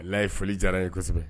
Wallahi foli diyara n ye kosɛbɛ.